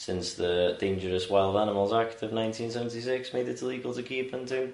...since the dangerous wild animals act of nineteen seventy six made it illegal to keep and to